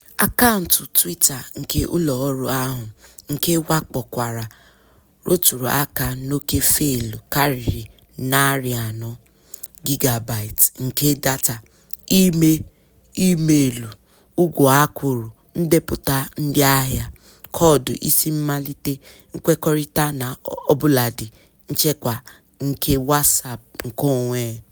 Akaụntụ Twitter nke ụlọọrụ ahụ, nke a wakpokwara, rụtụrụ aka n'oke faịlụ karịrị 400 gigabytes nke data ime: imeelụ, ụgwọ a kwụrụ, ndepụta ndịahịa, koodu isi mmalite, nkwekọrịta na ọbụladị nchekwa nke WhatsApp nkeonwe.